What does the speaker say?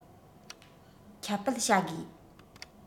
ཁྱབ སྤེལ བྱ དགོས